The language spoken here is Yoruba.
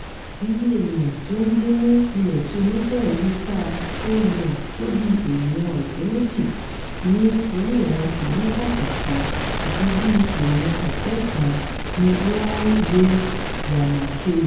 Iye ènìyàn tí ó ń gbé ní ilẹ̀-tí-omí-fẹ́rẹ̀ẹ́-yíká Kowloon tó bíi èèyàn 40,000 ní orí ìwọ̀n kìlómítà kọ̀ọ̀kan, àti bí i ènìyàn 20,000 ni ó ń gbé Yau Ma Tei.